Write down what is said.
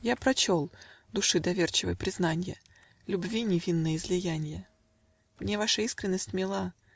Я прочел Души доверчивой признанья, Любви невинной излиянья Мне ваша искренность мила